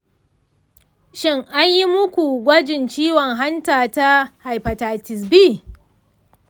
shin an yi muku gwajin ciwon hanta ta hepatitis b?